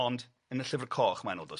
Ond, yn y Llyfr Coch mae'n dod o. Reit.